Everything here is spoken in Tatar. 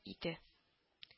Иде